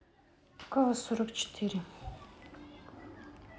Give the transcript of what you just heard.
кв сорок четыре